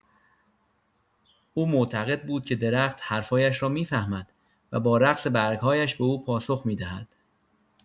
او معتقد بود که درخت حرف‌هایش را می‌فهمد و با رقص برگ‌هایش به او پاسخ می‌دهد.